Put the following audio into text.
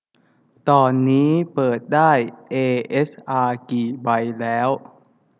ตอนนี้เปิดได้เอเอสอากี่ใบแล้ว